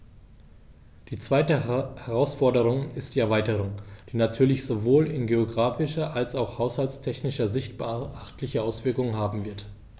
Die zweite Herausforderung ist die Erweiterung, die natürlich sowohl in geographischer als auch haushaltstechnischer Sicht beachtliche Auswirkungen haben wird.